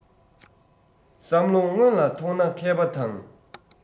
བསམ བློ སྔོན ལ ཐོངས ན མཁས པ དང